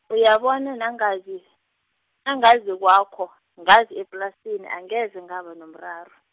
uyabona nangazi, nangazi kwakho, ngazi eplasini angeze ngaba nomraro.